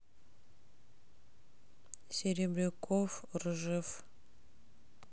серебряков ржев